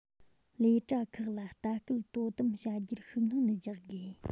ལས གྲྭ ཁག ལ ལྟ སྐུལ དོ དམ བྱ རྒྱུར ཤུགས སྣོན རྒྱག དགོས